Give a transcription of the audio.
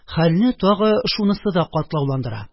Хәлне тагы шунысы да катлауландыра